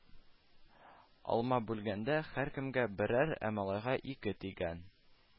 Алма бүлгәндә һәркемгә берәр, ә малайга ике тигән